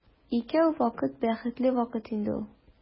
Икәү вакыт бәхетле вакыт инде ул.